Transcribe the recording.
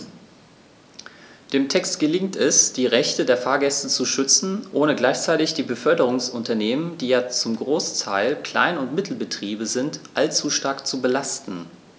Dem Text gelingt es, die Rechte der Fahrgäste zu schützen, ohne gleichzeitig die Beförderungsunternehmen - die ja zum Großteil Klein- und Mittelbetriebe sind - allzu stark zu belasten.